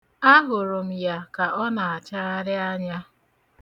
Ahụrụ m ya ka ọ na-achagharị anya.